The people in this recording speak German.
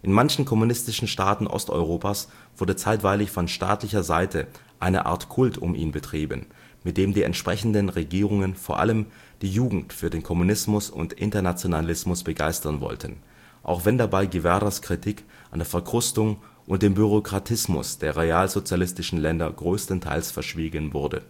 manchen kommunistischen Staaten Osteuropas wurde zeitweilig von staatlicher Seite eine Art Kult um ihn betrieben, mit dem die entsprechenden Regierungen vor allem die Jugend für den Kommunismus und Internationalismus begeistern wollten, auch wenn dabei Guevaras Kritik an der Verkrustung und dem Bürokratismus der realsozialistischen Länder größtenteils verschwiegen wurde